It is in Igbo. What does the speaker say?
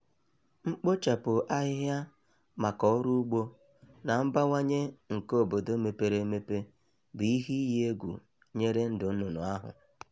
Mkpochapụ ahịhịa maka ọrụ ugbo na mbawanye nke obodo mepere emepe bụ ihe iyi egwu nyere ndụ nnụnụ ahụ.